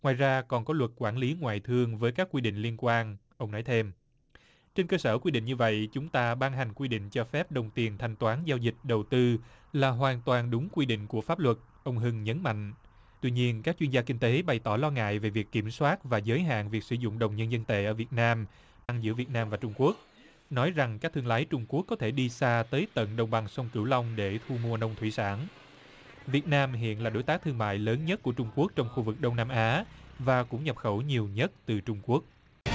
ngoài ra còn có luật quản lý ngoại thương với các quy định liên quan ông nói thêm trên cơ sở quy định như vậy chúng ta ban hành quy định cho phép đồng tiền thanh toán giao dịch đầu tư là hoàn toàn đúng quy định của pháp luật ông hưng nhấn mạnh tuy nhiên các chuyên gia kinh tế bày tỏ lo ngại về việc kiểm soát và giới hạn việc sử dụng đồng nhân dân tệ ở việt nam ăn giữa việt nam và trung quốc nói rằng các thương lái trung quốc có thể đi xa tới tận đồng bằng sông cửu long để thu mua nông thủy sản việt nam hiện là đối tác thương mại lớn nhất của trung quốc trong khu vực đông nam á và cũng nhập khẩu nhiều nhất từ trung quốc